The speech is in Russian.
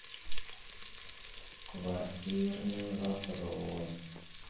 квартирный вопрос